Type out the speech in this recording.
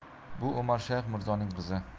bu umarshayx mirzoning qizi